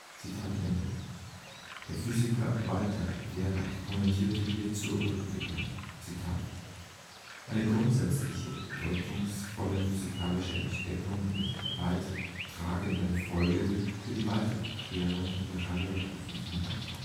Der Physiker Walther Gerlach kommentierte hierzu rückblickend: „… eine grundsätzliche, bedeutungsvolle physikalische Entdeckung mit weittragenden Folgen für die weitere Klärung der radioaktiven Umwandlung